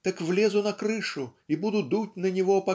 так влезу на крышу и буду дуть на него